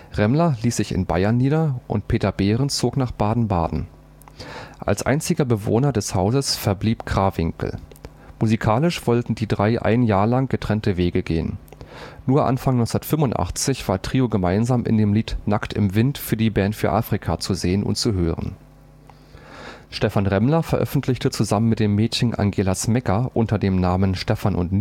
Remmler ließ sich in Bayern nieder, und Peter Behrens zog nach Baden-Baden. Als einziger Bewohner des Hauses verblieb Krawinkel. Musikalisch wollten die drei ein Jahr lang getrennte Wege gehen. Nur Anfang 1985 war Trio gemeinsam in dem Lied „ Nackt im Wind “der Band für Afrika zu sehen und zu hören. Stephan Remmler veröffentlichte zusammen mit dem Mädchen Angela Smecca unter dem Namen „ Stephan &